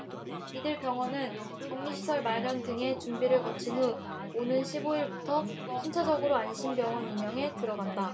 이들 병원은 격리시설 마련 등의 준비를 거친 후 오는 십 오 일부터 순차적으로 안심병원 운영에 들어간다